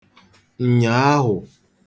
ǹnyàahwụ̀